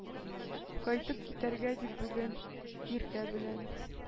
Кайтып китәргә дип бүген иртә белән